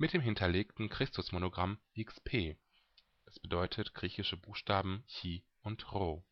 hinterlegten Christusmonogramm „ XP “(griechische Buchstaben Chi und Rho